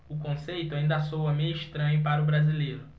o conceito ainda soa meio estranho para o brasileiro